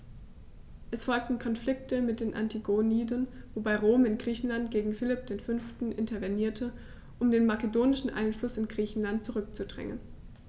Es folgten Konflikte mit den Antigoniden, wobei Rom in Griechenland gegen Philipp V. intervenierte, um den makedonischen Einfluss in Griechenland zurückzudrängen.